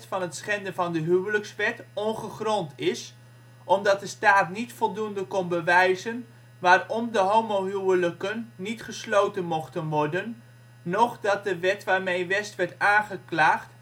van de huwelijkswet ongegrond is, omdat de staat niet voldoende kon bewijzen waarom de homohuwelijken niet gesloten mochten worden, noch dat de wet waarmee West werd aangeklaagd